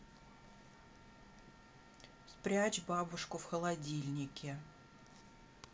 спрячь бабушку в холодильнике